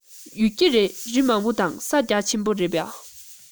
ཡོད ཀྱི རེད རི མང པོ དང ས རྒྱ ཆེན པོ རེད པ